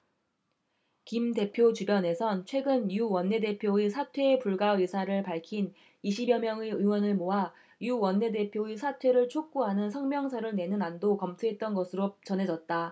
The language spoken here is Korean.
김 대표 주변에선 최근 유 원내대표의 사퇴 불가 의사를 밝힌 이십 여 명의 의원을 모아 유 원내대표의 사퇴를 촉구하는 성명서를 내는 안도 검토했던 것으로 전해졌다